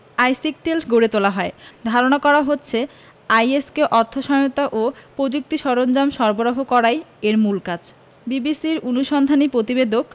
আইসিকটেল গড়ে তোলা হয় ধারণা করা হচ্ছে আইএস কে অর্থ সহায়তা ও পযুক্তি সরঞ্জাম সরবরাহ করাই এর মূল কাজ বিবিসির অনুসন্ধানী পতিবেদক